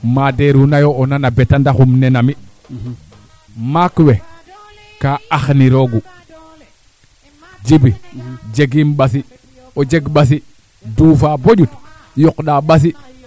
boo wiin we aussi ana coxana yo kee ando naye ten refu xoox ndax i mbaaga numtu wiid ndax waaga numtu wiid fa in en tant xoxoox surtout no jamono feeke i ndef na nam cung taa meteo dabord